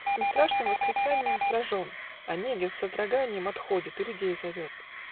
Сим страшным восклицаньем Сражен, Онегин с содроганьем Отходит и людей зовет.